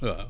waaw